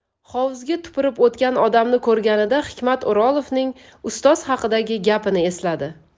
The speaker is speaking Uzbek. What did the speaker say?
hovuzga tupurib o'tgan odamni ko'rganida hikmat o'rolovning ustoz haqidagi gapini esladi